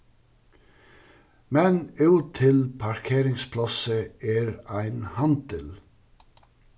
men út til parkeringsplássið er ein handil